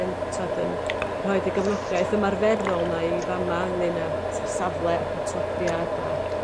...yn t'wod yn rhoid y gefnogaeth ymarferol 'na i fama' ynglŷn â t'wo' safle ac atodiad a